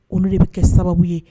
Olu de bɛ kɛ sababu ye